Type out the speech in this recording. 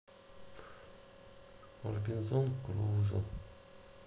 робинзон крузо